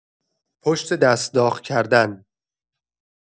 پشت دست داغ کردن